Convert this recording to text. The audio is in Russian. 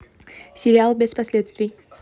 сериал без последствий